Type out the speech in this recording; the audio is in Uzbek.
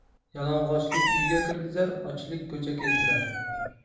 yalang'ochlik uyga kirgizar ochlik ko'cha kezdirar